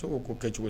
Sokɛ ko kɛ cogo